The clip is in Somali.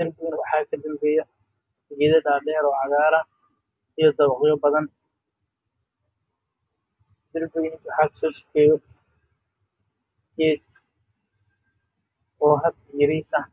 ak baxayaan geedo qurux badan oo cagaar ah